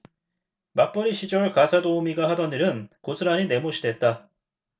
맞벌이 시절 가사도우미가 하던 일은 고스란히 내 몫이 됐다